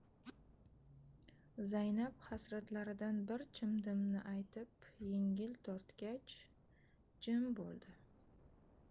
zaynab hasratlaridan bir chimdimni aytib yengil tortgach jim bo'ldi